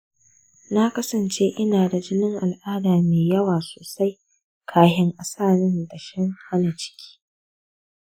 na kasance ina da jinin al'ada mai yawa sosai kafin a saka min dashen hana ciki .